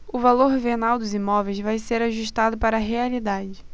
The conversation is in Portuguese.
o valor venal dos imóveis vai ser ajustado para a realidade